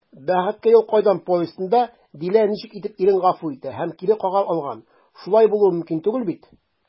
«бәхеткә юл кайдан» повестенда дилә ничек итеп ирен гафу итә һәм кире кага алган, шулай булуы мөмкин түгел бит?»